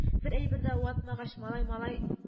Бер әйбер дә ватмагач малай малай